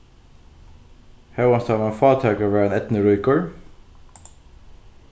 hóast hann var fátækur var hann eydnuríkur